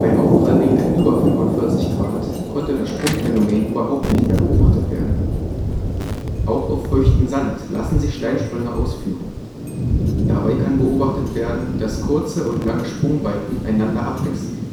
Aufprallwinkeln über 45 Grad konnte das Sprungphänomen überhaupt nicht mehr beobachtet werden. Auch auf feuchtem Sand lassen sich Steinsprünge ausführen. Dabei kann beobachtet werden, dass kurze und lange Sprungweiten einander abwechseln